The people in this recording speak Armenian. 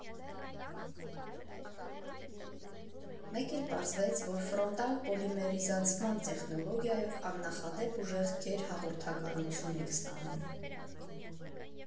֊ Մեկ էլ պարզվեց, որ ֆրոնտալ պոլիմերիզացման տեխնոլոգիայով աննախադեպ ուժեղ գերհաղորդականություն ենք ստանում»։